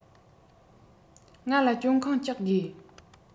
ང ལ སྤྱོད ཁང གཅད དགོས